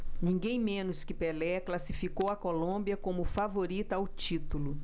ninguém menos que pelé classificou a colômbia como favorita ao título